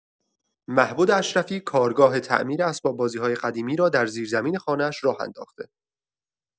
مهبد اشرفی، کارگاه تعمیر اسباب‌بازی‌های قدیمی را در زیرزمین خانه‌اش راه انداخته.